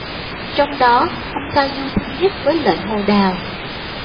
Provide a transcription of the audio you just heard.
trong đó ông giao du thân nhất với lệnh hồ đào